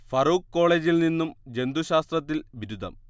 ഫറൂക്ക് കോളേജിൽ നിന്നും ജന്തുശാസ്ത്രത്തിൽ ബിരുദം